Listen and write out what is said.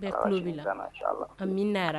A bɛ